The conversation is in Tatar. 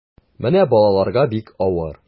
Менә балаларга бик авыр.